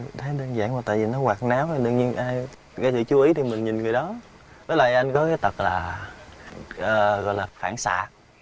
thấy đơn giản mà tại vì thấy nó hoạt náo thì đương nhiên ai gây được chú ý thì mình nhìn người đó với lại anh có cái tật là gọi là phản xạ